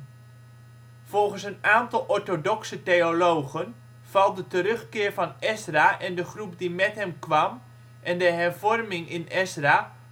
Volgens een aantal orthodoxe theologen valt de terugkeer van Ezra en de groep die met hem kwam, en de hervorming in Ezra